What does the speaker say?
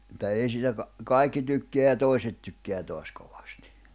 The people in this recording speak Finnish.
että ei siitä - kaikki tykkää ja toiset tykkää taas kovasti